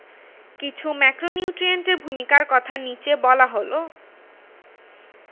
কিছু ম্যাক্রোনিউট্রিয়েন্টের ভূমিকার কথা নিচে বলা হল